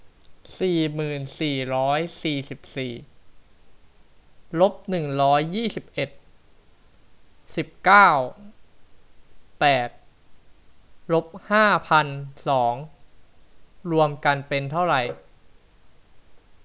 สี่หมื่นสี่ร้อยสี่สิบสี่ลบร้อยยี่สิบเอ็ดสิบเก้าแปดลบห้าพันสองรวมกันเป็นเท่าไหร่